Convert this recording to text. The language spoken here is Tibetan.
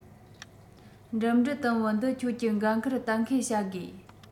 འགྲིམ འགྲུལ དུམ བུ འདི ཁྱོད ཀྱི འགན ཁུར གཏན འཁེལ བྱ དགོས